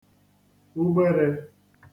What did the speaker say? ugbērē